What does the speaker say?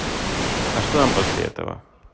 а что нам после этого